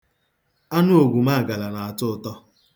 Anụ ogwumaagala na-atọ ụtọ.